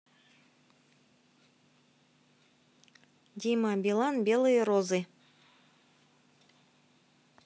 дима билан белые розы